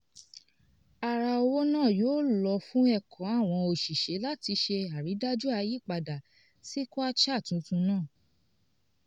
Ara owó náà yóò lọ fún ẹ̀kọ́ àwọn òṣìṣẹ́ láti ṣe àrídájú àyípadà sí kwacha tuntun náà.